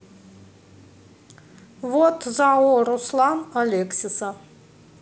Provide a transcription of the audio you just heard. вот зао руслан алексиса